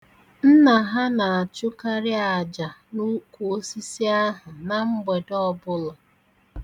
Nna ha na-achụkarị aja n'ukwuosisi ahụ na mgbede ọbụla.